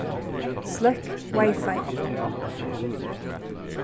sløkk wifi